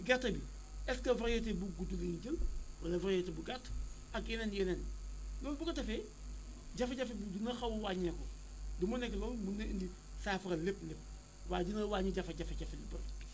gerte bi est que variété bu gudd la ñuy jël wala variété bu gàtt ak yeneen ak yeneen loolu bu ko defee jafe-jafe bi dinan xaw a wàññeeku du moo nekk loolu mën na indi saafara lépp-lépp waaye dina wàññi jafe-jafe jafe yi trop